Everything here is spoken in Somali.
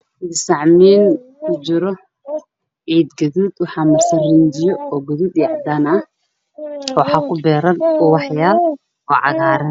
Waa geedo cagaaran oo ubax ah